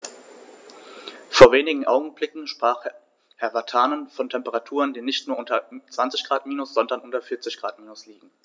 Vor wenigen Augenblicken sprach Herr Vatanen von Temperaturen, die nicht nur unter 20 Grad minus, sondern unter 40 Grad minus liegen.